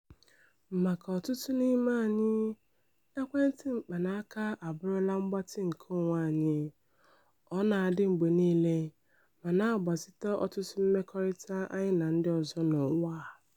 Maka ọtụtụ n'ime anyị, ekwentị mkpanaaka abụrụla mgbatị nke onwe anyị - ọ na-adị mgbe niile, ma na-agbazite ọtụtụ mmekọrịta anyị na ndị ọzọ n'ụwa.